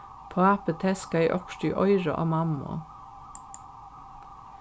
pápi teskaði okkurt í oyrað á mammu